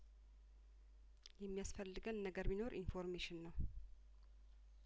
የሚያስፈልገን ነገር ቢኖር ኢንፎሜሽንነው